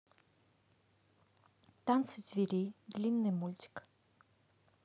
танцы зверей длинный мультик